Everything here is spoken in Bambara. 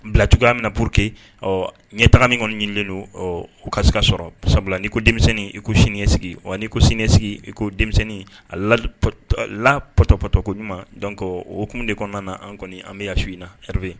Bila cogoya min na pour que ɔ ɲɛ taga ni kɔni ɲinilen don o kasika sɔrɔ sabula nii ko denmisɛnnin i ko sinisigi wa ko sinisigi i ko denmisɛnnin a la lapɔtaptɔkoɲuman dɔn o kun de kɔnɔna na an kɔni an bɛ ya su in na hɛrɛrebi yen